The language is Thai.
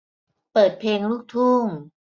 เปิดเพลงลูกทุ่ง